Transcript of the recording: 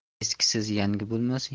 eskisiz yangi bo'lmas